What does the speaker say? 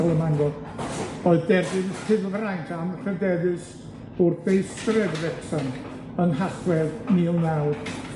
mhrifysgol ym Mangor, oedd derbyn rhyddfraint anrhydeddus bwrdeistref Wrecsam yn Nhachwedd mil naw